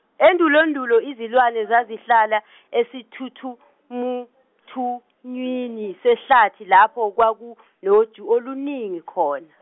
endulondulo izilwane zazihlala esithuthumuthunywini- sehlathi lapho kwakunoju oluningi khona.